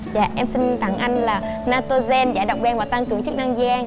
dạ em xin tặng anh là na tô gien giải độc gan và tăng cường chức năng gan